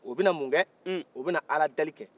u bɛna mun kɛ u bɛna ala delikɛ